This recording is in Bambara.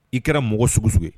I kɛra mɔgɔ sugu sugu ye